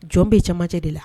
Jɔn bɛ cɛmancɛ de la